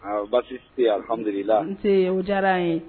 Aa baasi hamila n se o diyara n ye